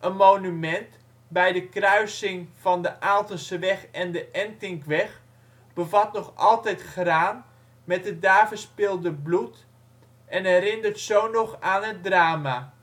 monument, bij de kruising van de Aaltenseweg en de Entinkweg, bevat nog altijd graan met het daar verspilde bloed en herinnert zo nog aan het drama